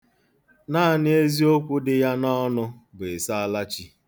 Naanị eziokwu dị ya n'ọnụ bụ ịsaalachi.